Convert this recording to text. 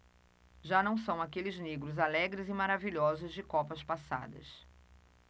já não são aqueles negros alegres e maravilhosos de copas passadas